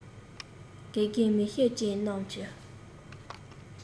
དགེ རྒན མིག ཤེལ ཅན རྣམས ཀྱིས